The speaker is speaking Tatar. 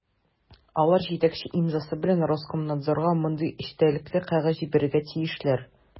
Алар җитәкче имзасы белән Роскомнадзорга мондый эчтәлекле кәгазь җибәрергә тиешләр: